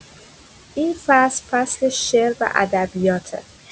این فصل، فصل شعر و ادبیاته.